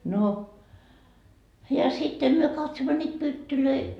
no ja sitten me katsomme niitä pyttyjä